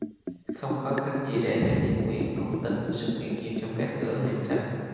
không khó khăn gì để thấy những quyển ngôn tình xuất hiện nhiều trong các cửa hàng sách